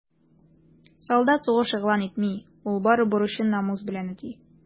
Солдат сугыш игълан итми, ул бары бурычын намус белән үти.